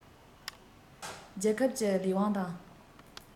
རྒྱལ ཁབ ཀྱི ལས དབང དང